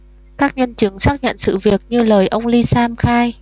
các nhân chứng xác nhận sự việc như lời ông ly sam khai